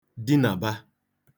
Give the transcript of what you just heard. dinàba